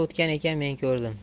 o'tgan ekan men ko'rdim